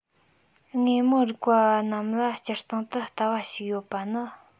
དངོས མང རིག པ བ རྣམས ལ སྤྱིར བཏང དུ ལྟ བ ཞིག ཡོད པ ནི